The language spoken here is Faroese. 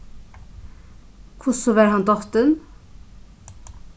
hvussu var hann dottin